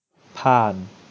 ผ่าน